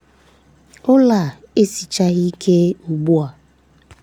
Ụlọ a esichaghịzị ike ugbu a.